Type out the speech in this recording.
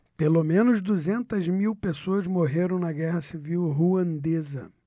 pelo menos duzentas mil pessoas morreram na guerra civil ruandesa